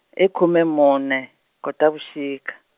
i khume mune, Khotavuxika.